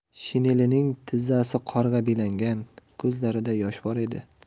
shinelining tizzasi qorga belangan ko'zlarida yosh bor edi